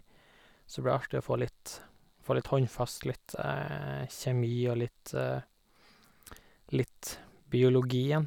Så det blir artig å få litt få litt håndfast, litt kjemi og litt litt biologi igjen.